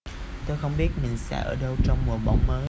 tôi không biết mình sẽ ở đâu trong mùa bóng mới